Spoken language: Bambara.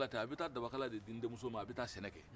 a bɛ taa dabakala di n denmuso ma a bɛ taa sɛnɛ kɛ